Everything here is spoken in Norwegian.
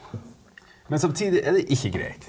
men samtidig er det ikke greit.